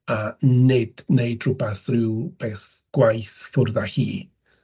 A nid wneud rywbeth... ryw beth gwaith ffwrdd â hi.